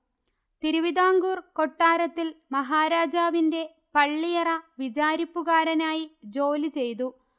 തിരുവിതാംകൂർ കൊട്ടാരത്തിൽ മഹാരാജാവിന്റെ പള്ളിയറ വിചാരിപ്പുകാരനായി ജോലി ചെയ്തു